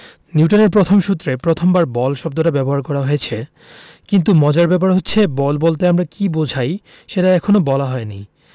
নিউটনের প্রথম সূত্রে প্রথমবার বল শব্দটা ব্যবহার করা হয়েছে কিন্তু মজার ব্যাপার হচ্ছে বল বলতে আমরা কী বোঝাই সেটা এখনো বলা হয়নি